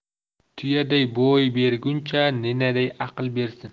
tuyaday bo'y beiguncha ninaday aql bersin